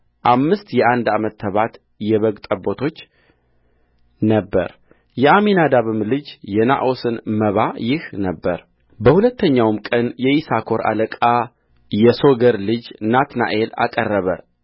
አምስት የአንድ ዓመት ተባት የበግ ጠቦቶች ነበረ የአሚናዳብ ልጅ የነአሶን መባ ይህ ነበረበሁለተኛውም ቀን የይሳኮር አለቃ የሶገር ልጅ ናትናኤል አቀረበ